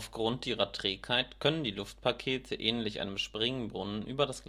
Grund ihrer Trägheit können die Luftpakete ähnlich einem Springbrunnen über das